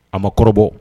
A ma kɔrɔbɔ